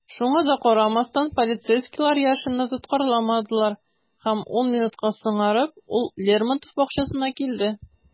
Шуңа да карамастан, полицейскийлар Яшинны тоткарламадылар - һәм ун минутка соңарып, ул Лермонтов бакчасына килде.